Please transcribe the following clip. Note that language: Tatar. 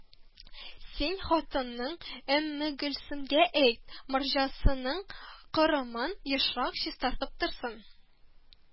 Син хатының Өммегөлсемгә әйт, морҗасының корымын ешрак чистартып торсын